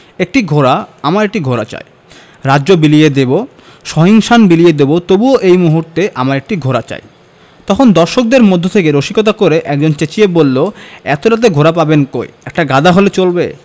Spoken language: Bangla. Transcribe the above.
একটি ঘোড়া আমার একটি ঘোড়া চাই রাজ্য বিলিয়ে দেবো সহিংশান বিলিয়ে দেবো তবু এই মুহূর্তে আমার একটি ঘোড়া চাই – তখন দর্শকদের মধ্য থেকে রসিকতা করে একজন চেঁচিয়ে বললো এত রাতে ঘোড়া পাবেন কই একটি গাধা হলে চলবে